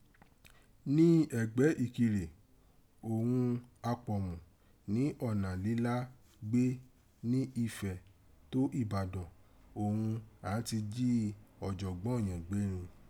Ni ẹ̣̀gbẹ́ Ikire oghun Apomu ni ọ̀nà lílá gbé ni Ifẹ tó Ibadan òghun àn án ti jí ọjọgbọn yẹ̀n gbe rin.